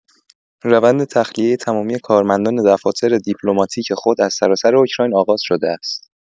روند تخلیه تمامی کارمندان دفاتر دیپلماتیک خود از سراسر اوکراین آغاز شده است.